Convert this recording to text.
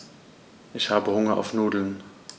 Ich habe Hunger auf Nudeln.